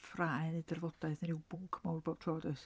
Ffrae neu drafodaeth neu ryw bwnc mawr bob tro does?